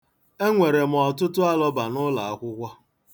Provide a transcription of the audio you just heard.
Enwere m ọtụtụ alọba n'ụlọakwụkwọ.